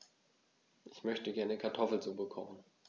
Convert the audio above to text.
Ich möchte gerne Kartoffelsuppe kochen.